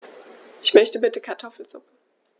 Ich möchte bitte Kartoffelsuppe.